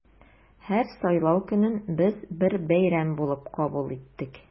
Һәр сайлау көнен без бер бәйрәм булып кабул иттек.